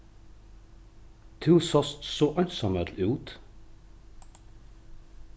tú sást so einsamøll út